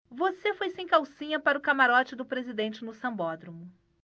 você foi sem calcinha para o camarote do presidente no sambódromo